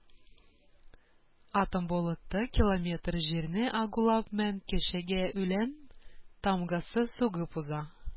Атом болыты километр җирне агулап мең кешегә үлем тамгасы сугып уза.